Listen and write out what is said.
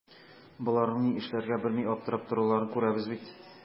Боларның ни эшләргә белми аптырап торуларын күрәбез бит.